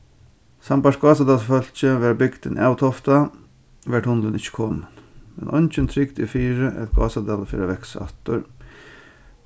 sambært gásadalsfólki var bygdin avtoftað var tunnilin ikki komin men eingin trygd er fyri at gásadalur fer at vaksa aftur